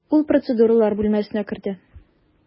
Ул процедуралар бүлмәсенә керде.